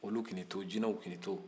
olu kan'i to jɛnɛw kan'i to